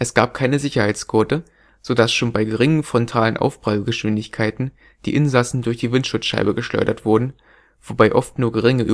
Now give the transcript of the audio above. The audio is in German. gab keine Sicherheitsgurte, so dass schon bei geringen frontalen Aufprallgeschwindigkeiten die Insassen durch die Windschutzscheibe geschleudert wurden, wobei oft nur geringe